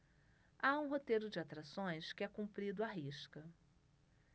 há um roteiro de atrações que é cumprido à risca